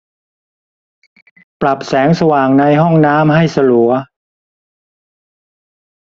ปรับแสงสว่างในห้องน้ำให้สลัว